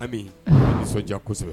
An ka nisɔndiya kosɛbɛ